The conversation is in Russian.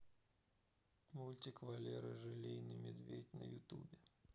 мультик валера желейный медведь на ютубе